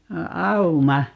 auma